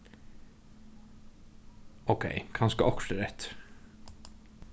ókey kanska okkurt er eftir